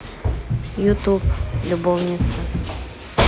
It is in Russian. ютуб любовницы